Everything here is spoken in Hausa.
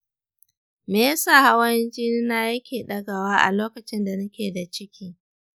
me ya sa hawan jini na yake ɗagawa a lokacin da nake da ciki?